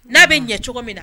N'a bɛ ɲɛ cogo min na